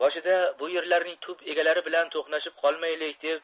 boshida bu yerlarning tub egalari bilan to'qnashib qolmaylik deb